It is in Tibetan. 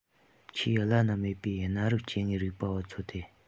ཆེས བླ ན མེད པའི གནའ རབས སྐྱེ དངོས རིག པ བ ཚོ སྟེ